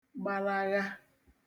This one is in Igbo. gbalagha